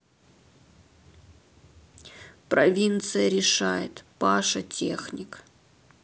провинция решает паша техник